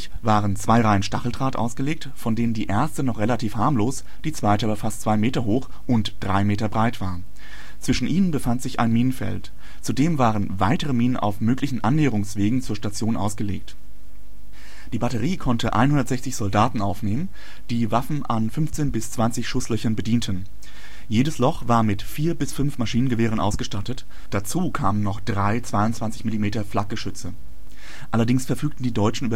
waren zwei Reihen Stacheldraht ausgelegt, von denen die erste noch relativ harmlos, die zweite aber fast zwei Meter hoch und drei Meter breit war. Zwischen ihnen befand sich ein Minenfeld. Zudem waren weitere Minen auf möglichen Annäherungswegen zur Stellung ausgelegt. Die Batterie konnte 160 Soldaten aufnehmen, die Waffen an 15 bis 20 Schusslöchern bedienten. Jedes Loch war mit vier bis fünf Maschinengewehren ausgestattet. Dazu kamen noch drei 20 mm Flakgeschütze. Allerdings verfügten die Deutschen